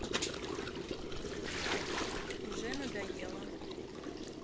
уже надело